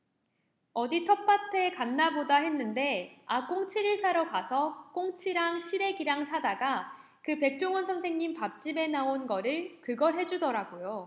어디 텃밭에 갔나보다 했는데 아 꽁치를 사러 가서 꽁치랑 시래기랑 사다가 그 백종원 선생님 밥집에 나온 거를 그걸 해주더라고요